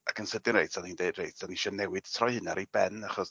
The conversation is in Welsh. Ac yn sydyn reit 'dan ni'n deud reit so ni isio newid troi hyn ar ei ben achos